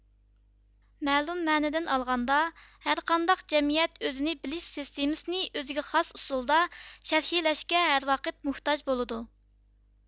مەلۇم مەنىدىن ئالغاندا ھەر قانداق جەمئىيەت ئۆزىنى بىلىش سىستېمىسىنى ئۆزىگە خاس ئۇسۇلدا شەرھلەشكە ھەر ۋاقىت مۇھتاج بولىدۇ